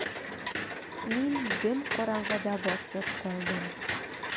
Мин дөм караңгыда басып калдым.